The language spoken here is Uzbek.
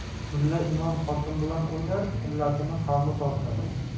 mulla imom xotin bilan o'ynar illatini qavmi tortar